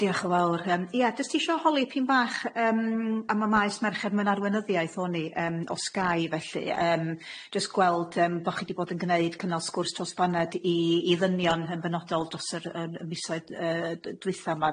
Diolch yn fawr yym ie jyst isio holi p'un bach yym am y maes merched ma'n arweinyddiaeth onni yym os gai felly yym jyst gweld yym bo' chi di bod yn gneud cynnal sgwrs trosbaned i i ddynion yn benodol dros yr yym y misoedd yy d- dwytha' yma